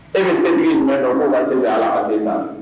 E bɛ se min jumɛn dɔn mɔgɔ ma segin ala ka sisan